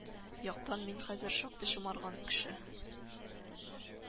Яктан мин хәзер шактый шомарган кеше